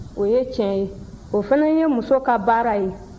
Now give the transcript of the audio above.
o ye tiɲɛ ye o fana ye muso ka baara ye